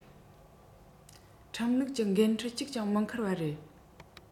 ཁྲིམས ལུགས གྱི འགན འཁྲི གཅིག ཀྱང མི འཁུར བ རེད